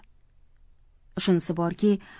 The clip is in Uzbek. shunisi borki